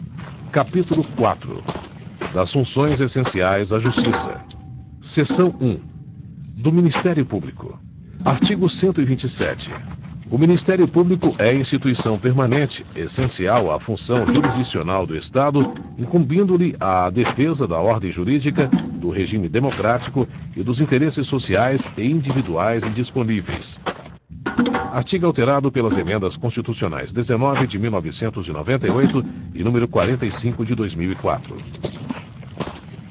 capítulo quatro das funções essenciais à justiça seção um do ministério público artigo cento e vinte e sete o ministério público é instituição permanente essencial à função jurisdicional do estado incumbindo lhe a defesa da ordem jurídica do regime democrático e dos interesses sociais e individuais indisponíveis artigo alterado pelas emendas constitucionais dezenove de mil novecentos e noventa e oito e número quarenta e cinco de dois mil e quatro